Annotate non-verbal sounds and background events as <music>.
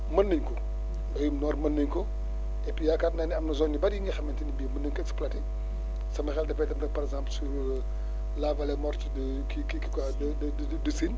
mën nañ ko mbéyum noor mën nañ ko et puis yaakaar naa ne am na zone yu bëri yi nga xamante ni bii më nañ ko exploiter sama xel dafay demrek par exemple sur <hesitation> la vallée morte de kii kii quoi de de de Sine